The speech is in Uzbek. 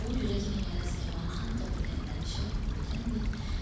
u yuragining yarasiga malham topilganidan shod bo'lgandek